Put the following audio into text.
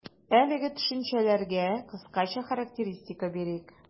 Әлеге төшенчәләргә кыскача характеристика бирик.